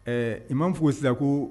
Ɛɛ i' f fɔ siran ko